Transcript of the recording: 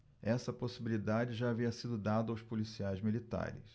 essa possibilidade já havia sido dada aos policiais militares